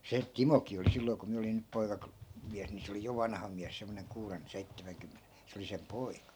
se Timokin oli silloin kun minä olin nyt - poikamies niin se oli jo vanha mies semmoinen kuuden seitsemänkymmenen se oli sen poika